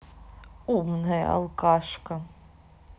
умная алкашка